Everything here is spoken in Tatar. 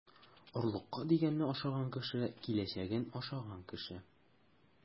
Орлыкка дигәнне ашаган кеше - киләчәген ашаган кеше.